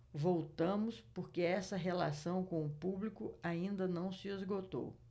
voltamos porque essa relação com o público ainda não se esgotou